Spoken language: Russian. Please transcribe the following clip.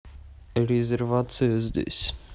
резервация здесь